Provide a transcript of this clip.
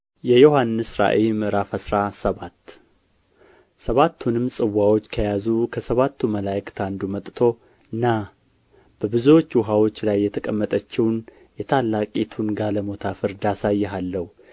የዮሐንስ ራእይ ምዕራፍ አስራ ሰባት ሰባቱንም ጽዋዎች ከያዙ ከሰባቱ መላእክት አንዱ መጥቶ ና በብዙም ውኃዎች ላይ የተቀመጠችውን የታላቂቱን ጋለሞታ ፍርድ አሳይሃለሁ